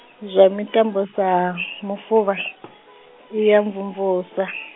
zwa mitambo sa, mufuvha , i ya mvumvusa .